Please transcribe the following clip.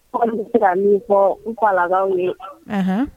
Aw bɛ se ka min fɔ anw falakaw ye.